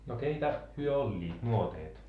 no keitä he olivat nuoteet